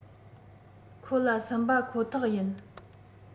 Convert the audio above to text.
ཁོ ལ སུན པ ཁོ ཐག ཡིན